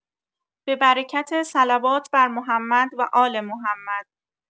به برکت صلوات بر محمد وآل محمد